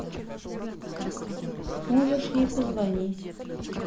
можешь ей позвонить